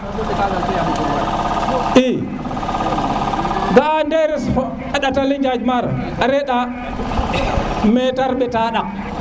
i ga a nderes fa a ɗatale njaƴ maro a renda metar ɓeta ɗak